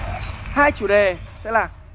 hai chủ đề sẽ là